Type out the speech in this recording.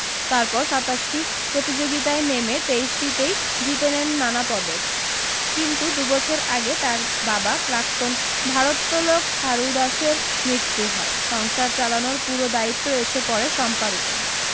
তারপর সাতাশ টি প্রতিযোগিতায় নেমে তেইশ টিতেই জিতে নেন নানা পদক কিন্তু দু বছর আগে তাঁর বাবা প্রাক্তন ভারোত্তলক হারু দাসের মৃত্যু হয় সংসার চালানোর পুরো দায়িত্ব এসে পড়ে শম্পার ওপর